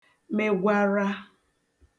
megwara